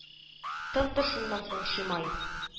Тынды шуннан соң Шимай